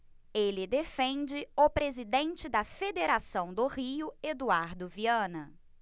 ele defende o presidente da federação do rio eduardo viana